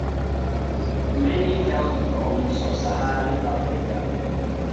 Many hailed from sub-Saharan Africa.